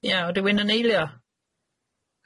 Ia rywun yn eilio?